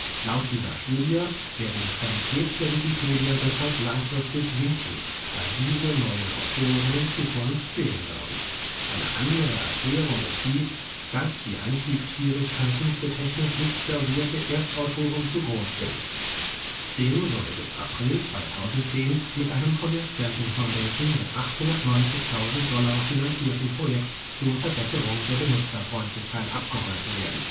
Laut dieser Studie werde die Qualität der Wikipedia deshalb langfristig sinken, da diese neuen Autoren in Zukunft fehlen würden. Eine andere Erklärung ist die, dass die Einstiegsschwierigkeiten für technisch nicht versierte Erstautoren zu groß sind. Dem soll bis April 2010 mit einem von der Stanton Foundation mit 890 000 Dollar finanzierten Projekt zur Verbesserung der Benutzerfreundlichkeit abgeholfen werden